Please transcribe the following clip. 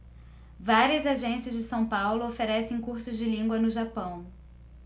várias agências de são paulo oferecem cursos de língua no japão